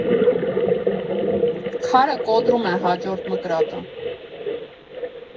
Քարը կոտրում է հաջորդ մկրատը։